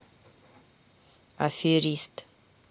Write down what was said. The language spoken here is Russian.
аферист